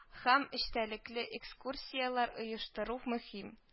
Һәм эчтәлекле экскурсияләр оештыруф мөһим